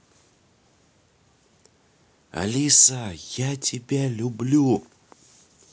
алиса я тебя люблю